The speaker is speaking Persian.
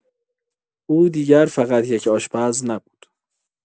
او دیگر فقط یک آشپز نبود.